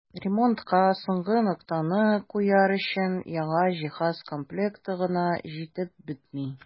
Ремонтка соңгы ноктаны куяр өчен яңа җиһаз комплекты гына җитеп бетми.